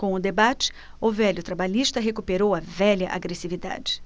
com o debate o velho trabalhista recuperou a velha agressividade